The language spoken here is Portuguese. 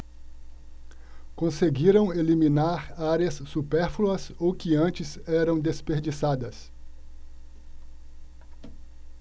conseguiram eliminar áreas supérfluas ou que antes eram desperdiçadas